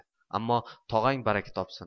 ammo tog'ang baraka topsin